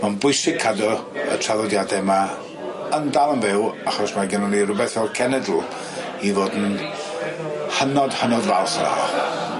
Ma'n bwysig cadw y traddodiade 'ma yn dal yn fyw achos ma' gennon ni rwbeth fel cenedl i fod yn hynod hynod falch yna fo.